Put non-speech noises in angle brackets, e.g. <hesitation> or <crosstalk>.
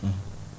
<hesitation> <hesitation>